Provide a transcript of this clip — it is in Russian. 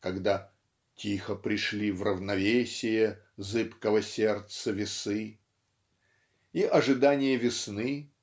когда "тихо пришли в равновесие зыбкого сердца весы" и ожидание весны